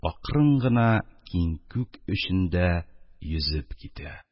Акрын гына киң күк эчендә йөзеп китә.